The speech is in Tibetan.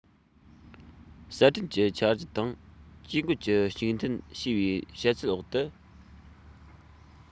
གསར སྐྲུན གྱི འཆར གཞི དང ཇུས འགོད ཀྱི གཅིག མཐུན ཞེས པའི བཤད ཚུལ འོག ཏུ